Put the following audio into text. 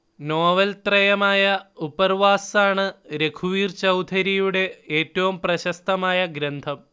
നോവൽത്രയമായ ഉപർവസാണ് രഘുവീർ ചൗധരിയുടെ ഏറ്റവും പ്രശസ്തമായ ഗ്രന്ഥം